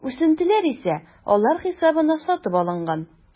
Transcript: Үсентеләр исә алар хисабына сатып алынган.